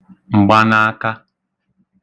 m̀gbanaaka